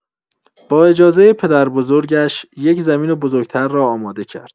با اجازۀ پدربزرگش، یک زمین بزرگ‌تر را آماده کرد.